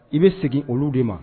I bɛ segin olu de ma